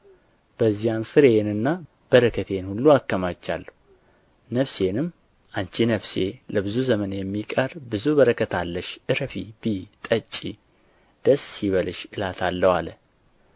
በዚያም ፍሬዬንና በረከቴን ሁሉ አከማቻለሁ ነፍሴንም አንቺ ነፍሴ ለብዙ ዘመን የሚቀር ብዙ በረከት አለሽ ዕረፊ ብዪ ጠጪ ደስ ይበልሽ እላታለሁ አለ